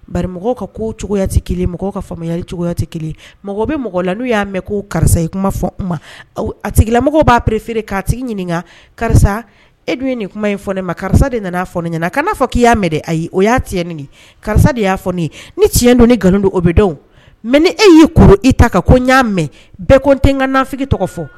Bamɔgɔ ka ko cogoya kelen mɔgɔw ka faamuyaya cogoya tɛ kelen mɔgɔ bɛ mɔgɔ la n'u y'a mɛn ko karisa ye kuma fɔ ma a tigilamɔgɔ b'a pere feereere ka tigi ɲininka karisa e dun ye nin kuma in fɔ ne ma karisa de nana a fɔ ɲɛna kana n'a fɔ k i y'a mɛn ayi ye o y'a ti nin karisa de y'a fɔ ne ye ni tiɲɛ don nkalon don o bɛdenw mɛ ni e y'i kuru e ta ka ko y'a mɛn bɛɛ ko n tɛ n kafi tɔgɔ fɔ